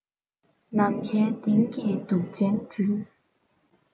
ནམ མཁའ ལྡིང གིས དུག ཅན སྦྲུལ